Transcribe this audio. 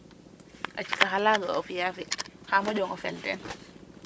A cikax alaga o fi'aa fi' xa moƴong o fel ten ?